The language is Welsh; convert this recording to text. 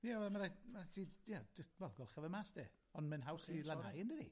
Ie, wel, ma' raid ma' raid ti ie jyst wel, golcha fe mas de, ond mae'n haws i lanhau yndydi?